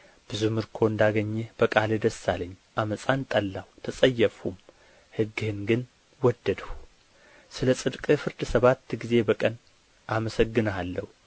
ብዙ ምርኮ እንዳገኘ በቃልህ ደስ አለኝ ዓመፃን ጠላሁ ተጸየፍሁም ሕግን ግን ወደድሁ ስለ ጽድቅህ ፍርድ ሰባት ጊዜ በቀን አመሰግንሃለሁ